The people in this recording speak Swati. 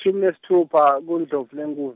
shumi nesitfupha, kuNdlovulenkhu-.